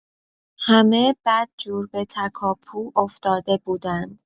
همه بدجور به تکاپو افتاده بودند.